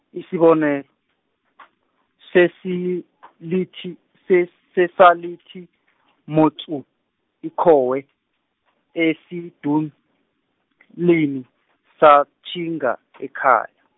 isibonelo , sesilithi- sesalithi motsu, ikhowe, esidulini, satjhinga ekhaya.